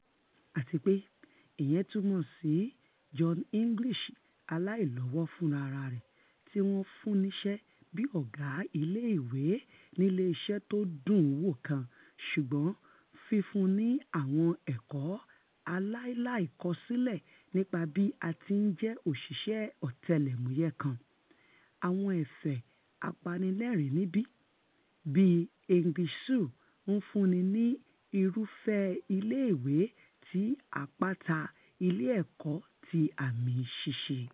Àtipé ìyẹn túmọ̀ si Johnny English aláìlọ́wọ́ fúnrarẹ̀, tíwọn ti fún níṣẹ́ bíi ọ̀gá ilé ìwé nílé iṣẹ́ tódùn un wò kan, ṣùgbọ́n fífún ni àwọn ẹ̀kọ́ aílàlákọsílẹ̀ nipa bí a ti ńjẹ́ òṣìṣẹ́ ọ̀tẹlẹ̀múyẹ̀ kan: àwọn ẹ̀fẹ̀ apanilẹ́ẹ̀rín níbí, bí English sooe ńfúnni ni irúfẹ́-Ilé-ìwé-ti-Àpáta ilé ẹ̀kọ́ ti amí ṣíṣe.